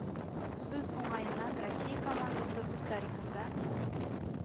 Сүз уңаеннан, Россия командасы үз тарихында